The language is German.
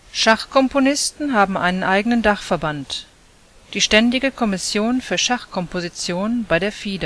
Schachkomponisten haben einen eigenen Dachverband, die Ständige Kommission für Schachkomposition bei der FIDE